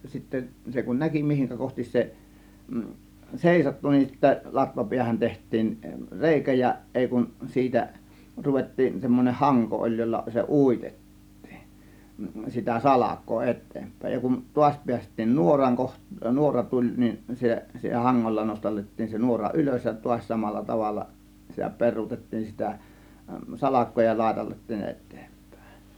sitten se kun näki mihin kohti se seisahtui niin sitten latvapäähän tehtiin reikä ja ei kun siitä ruvettiin semmoinen hanko oli jolla se uitettiin sitä salkoa eteenpäin ja kun taas päästiin nuoran - nuora tuli niin se hangolla nostateltiin se nuora ylös ja taas samalla tavalla sitä peruutettiin sitä salkoa ja laiteltiin eteenpäin